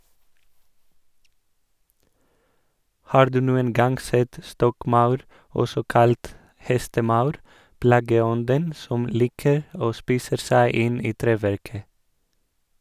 Har du noen gang sett stokkmaur, også kalt hestemaur, plageånden som liker å spise seg inn i treverket?